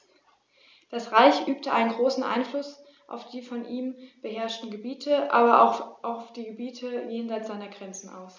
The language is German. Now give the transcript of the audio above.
Das Reich übte einen großen Einfluss auf die von ihm beherrschten Gebiete, aber auch auf die Gebiete jenseits seiner Grenzen aus.